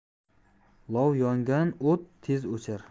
lov yongan o't tez o'char